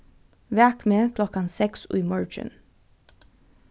vak meg klokkan seks í morgin